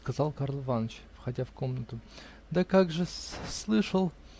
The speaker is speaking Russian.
-- сказал Карл Иваныч, входя в комнату. -- Как же-с, слышал.